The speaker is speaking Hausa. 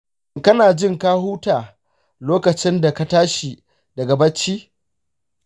shin kana jin ka huta lokacin da ka tashi daga barci?